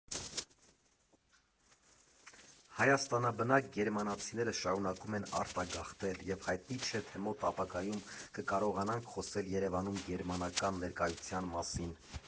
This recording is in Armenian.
Հայաստանաբնակ գերմանացիները շարունակում են արտագաղթել, և հայտնի չէ, թե մոտ ապագայում կկարողանանք խոսել Երևանում գերմանական ներկայության մասին…